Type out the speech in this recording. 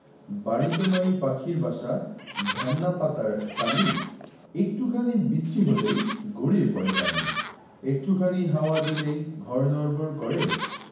বাড়িতো নয় পাখির বাসা ভেন্না পাতার ছানি একটু খানি বৃষ্টি হলেই গড়িয়ে পড়ে পানি একটু খানি হাওয়া দিলেই ঘর নড়বড় করে